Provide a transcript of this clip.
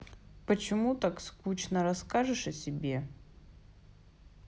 почему так скучно расскажешь о себе